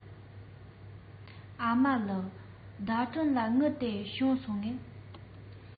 ཨ མ ལགས ཟླ སྒྲོན ལ དངུལ དེ བྱུང སོང ངས